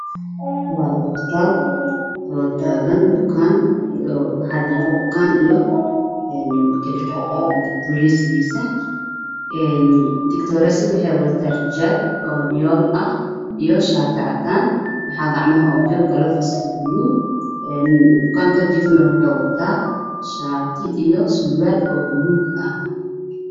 Waa naago iyo niman naagaha waa sadex nimankuna aad Bay u fara badan io fadhiyo miisaska midabadooda waxaa ka mid